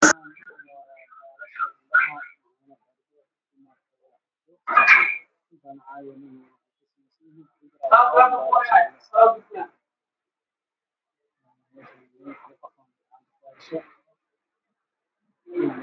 Meesha waxay yaalla buugaag dulsaaran yihiin miis kartool ku dhex jiro timo